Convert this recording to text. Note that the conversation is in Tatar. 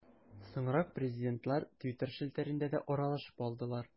Соңрак президентлар Twitter челтәрендә дә аралашып алдылар.